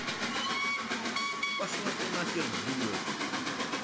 пошла ты нахер дура